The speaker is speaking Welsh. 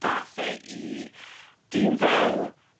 dath e i dim fel